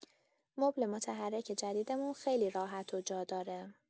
مبل متحرک جدیدمون خیلی راحت و جاداره.